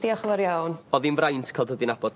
Diolch yn fowr iawn. O'dd 'i'n fraint ca'l dod i nabod...